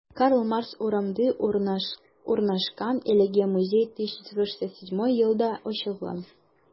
Карл Маркс урамында урнашкан әлеге музей 1967 елда ачылган.